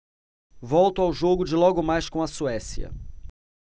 volto ao jogo de logo mais com a suécia